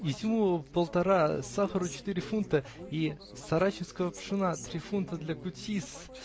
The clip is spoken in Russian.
-- Изюму полтара, сахару четыре фунта и сарачинского пшена три фунта для кутьи-с.